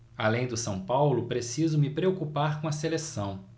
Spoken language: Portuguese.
além do são paulo preciso me preocupar com a seleção